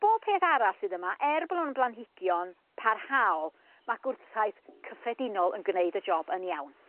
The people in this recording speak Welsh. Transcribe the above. Bob peth arall sydd yma er bo' nw'n blanhigion parhaol ma' gwrtaith cyffredinol yn gneud y job yn iawn.